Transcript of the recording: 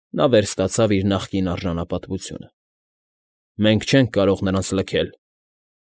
Նա վերստացավ իր նախկին արժանապատվությունը։֊ Մենք չենք կարող նրանց լքել։